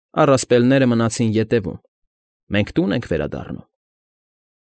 Առասպելները մնացին ետևում, մենք տուն ենք վերադառնում։